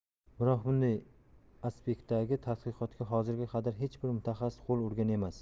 biroq bunday aspektdagi tadqiqotga hozirga qadar hech bir mutaxassis qo'l urgan emas